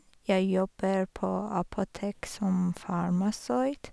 Jeg jobber på apotek som farmasøyt.